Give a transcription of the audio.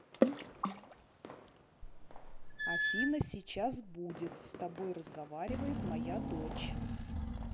афина сейчас будет с тобой разговаривает моя дочь